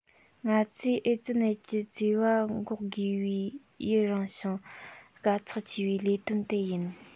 ང ཚོས ཨེ ཙི ནད ཀྱི གཙེས པ འགོག དགོས པའི ཡུན རིང ཞིང དཀའ ཚེགས ཆེ བའི ལས དོན དེ ཡིན